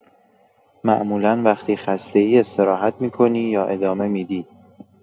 معمولا وقتی خسته‌ای استراحت می‌کنی یا ادامه می‌دی؟